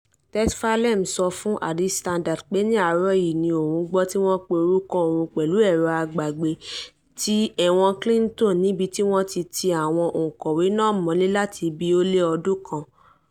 Tesfalem sọ fún Addis Standard pé ní àárọ̀ yìí òun gbọ́ tí wọ́n pé orúkọ òun pẹ̀lú ẹ̀rọ agbagbe ti Ẹ̀wọ̀n Kilinto, níbi tí wọ́n tí ti àwọn ọ̀ǹkọ̀wé náà mọ́lé láti bíi ó lé ní ọdún kan.